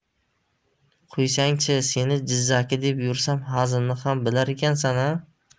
qo'ysang chi seni jizzaki deb yursam hazilni ham bilar ekansan a